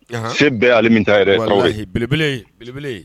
Se bɛɛ ali min taab